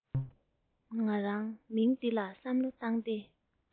ང རང མིང འདི ལ བསམ བློ བཏང སྟེ